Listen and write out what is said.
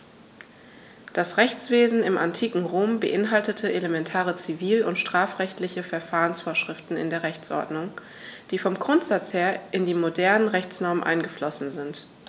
Das Rechtswesen im antiken Rom beinhaltete elementare zivil- und strafrechtliche Verfahrensvorschriften in der Rechtsordnung, die vom Grundsatz her in die modernen Rechtsnormen eingeflossen sind.